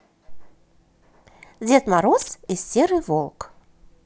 дед мороз и серый волк